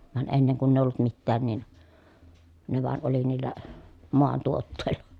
vaan ennen kun ei ollut mitään niin ne vain oli niillä maantuotteilla